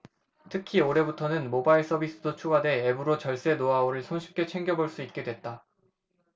특히 올해부터는 모바일 서비스도 추가돼 앱으로 절세 노하우를 손쉽게 챙겨볼 수 있게 됐다